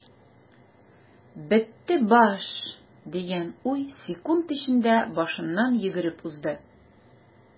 "бетте баш” дигән уй секунд эчендә башыннан йөгереп узды.